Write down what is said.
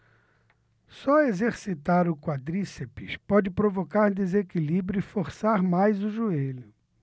só exercitar o quadríceps pode provocar desequilíbrio e forçar mais o joelho